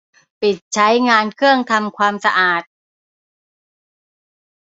ปิดใช้งานเครื่องทำความสะอาด